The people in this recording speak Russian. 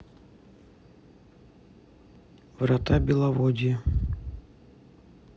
врата беловодья